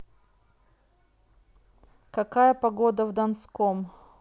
какая погода в донском